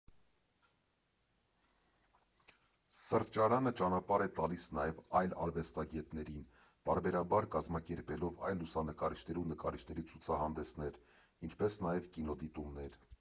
Սրճարանը ճանապարհ է տալիս նաև այլ արվեստագետներին՝ պարբերաբար կազմակերպելով այլ լուսանկարիչների ու նկարիչների ցուցահանդեսներ, ինչպես նաև կինոդիտումներ։